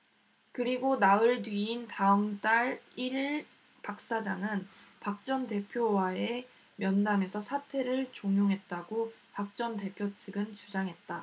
그리고 나흘 뒤인 다음 달 일 일 박 시장은 박 전 대표와의 면담에서 사퇴를 종용했다고 박 전 대표 측은 주장했다